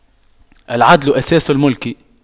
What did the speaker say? العدل أساس الْمُلْك